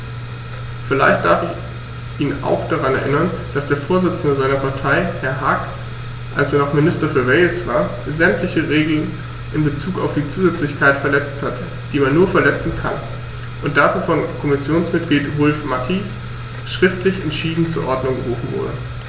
Vielleicht darf ich ihn auch daran erinnern, dass der Vorsitzende seiner Partei, Herr Hague, als er noch Minister für Wales war, sämtliche Regeln in Bezug auf die Zusätzlichkeit verletzt hat, die man nur verletzen kann, und dafür von Kommissionsmitglied Wulf-Mathies schriftlich entschieden zur Ordnung gerufen wurde.